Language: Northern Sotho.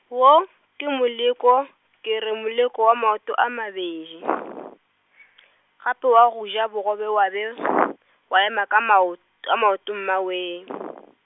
wo ke moleko, ke re moleko wa maoto a mabedi, gape wa go ja bogobe wa be , wa ema ka mao-, ka maoto mmawee.